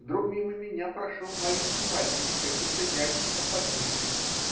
Вдруг мимо меня прошел маленький мальчик с каким-то ящиком под мышкой.